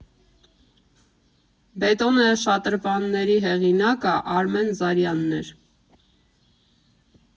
Բետոնե շատրվանների հեղինակը Արմեն Զարյանն էր։